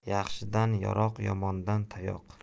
yaxshidan yaroq yomondan tayoq